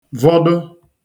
vọdu